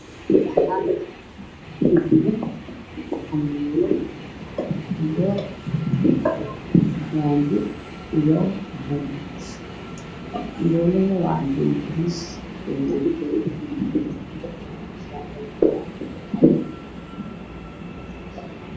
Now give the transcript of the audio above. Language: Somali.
Waa saxan waxaa ku jira cambuulo daango waxaa ku jira saddex qaado cambuulada waa caddaan daangada waa jaalo